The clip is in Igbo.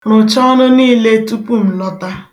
̣Rụchaa ọrụ niile tupu m lọta